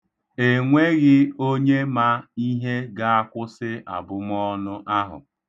E nweghị onye ma ihe ga-akwụsị abụmọọnụ ahụ.